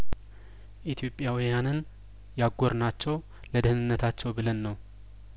ኢትዮጵያውያንን ያጐር ናቸው ለደህንነታቸው ብለን ነው